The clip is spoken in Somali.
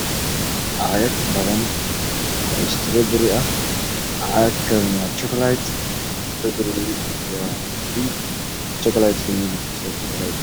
Caagag badan oo istaroobari ah cagagan waa jukuled istarobariga waa gaduud jukuled kana waa jukuled